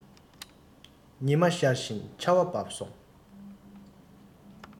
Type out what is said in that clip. ཉི མ ཤར ཞིང ཆར བ བབས བྱུང